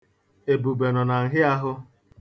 Ebube nọ na nhịaahụ.